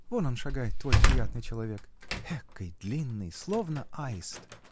-- Вон он шагает, твой приятный человек. Экой длинный, словно аист!